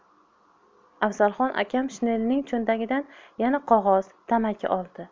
afzalxon akam shinelining cho'ntagidan yana qog'oz tamaki oldi